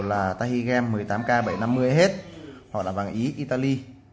đều là tahigem k hoặc là vàng ý italy